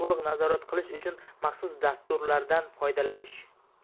nazorat qilish uchun maxsus dasturlardan foydalanish